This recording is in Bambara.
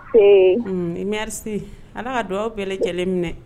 Ɔ i miri ala y'a dugawu bɛɛ lajɛlen minɛ